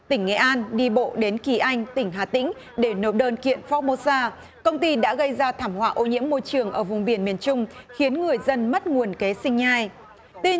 tỉnh nghệ an đi bộ đến kỳ anh tỉnh hà tĩnh để nộp đơn kiện phóc mô xa công ty đã gây ra thảm họa ô nhiễm môi trường ở vùng biển miền trung khiến người dân mất nguồn kế sinh nhai tin